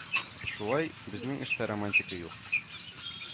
Шулай, безнең эштә романтика юк